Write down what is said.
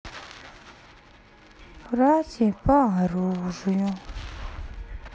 братья по оружию